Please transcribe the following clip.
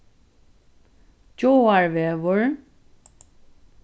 gjáarvegur